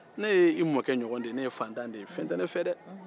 ne ye i mɔkɛ ɲɔgɔn de ye ne ye faantan de ye fɛn tɛ ne fɛ dɛ